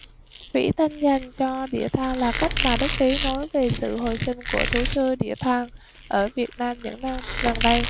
vĩ thanh dành cho đĩa than là cách mà đức trí nói về sự hồi sinh của thú chơi đĩa than ở việt nam những năm gần đây